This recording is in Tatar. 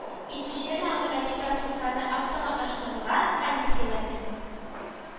Итүче мәгълүмати процессларны автоматлаштырырга, комиссияләрнең